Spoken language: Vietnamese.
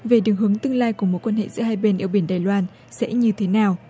về định hướng tương lai của mối quan hệ giữa hai bên eo biển đài loan sẽ như thế nào